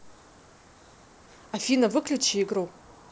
афина выключи игру